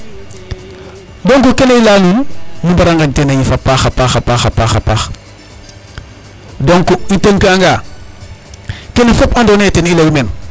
Donc kene i layaa nuun nu mbara nqaƴ teen a yiif a paax a paax donc i tontu'anga kene fop andoona eye ten i layu meen ndiki an waru geenu teen, an waru geenu teen .